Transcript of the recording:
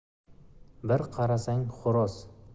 bir qarasang xo'roz